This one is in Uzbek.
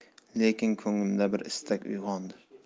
lekin ko'nglimda bir istak uyg'ondi